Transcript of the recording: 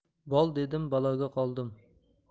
bol dedim baloga qoldim